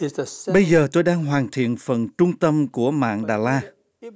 bây giờ tôi đang hoàn thiện phần trung tâm của mạn đà la